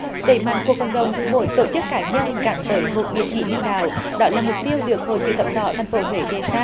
đẩy mạnh cuộc vận động mỗi tổ chức cá nhân gắn với một địa chỉ nhân đạo đó là mục tiêu được hội chữ thập đỏ thành phố huế đề ra